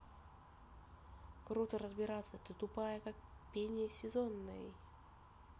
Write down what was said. круто разбираться ты тупая как пения сезонный